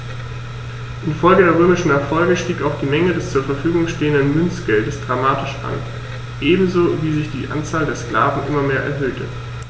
Infolge der römischen Erfolge stieg auch die Menge des zur Verfügung stehenden Münzgeldes dramatisch an, ebenso wie sich die Anzahl der Sklaven immer mehr erhöhte.